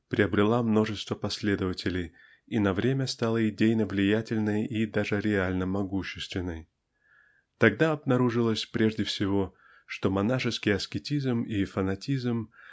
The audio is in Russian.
приобрела множество последователей и на время стала идейно влиятельной и даже реально могущественной. Тогда обнаружилось прежде всего что монашеский аскетизм и фанатизм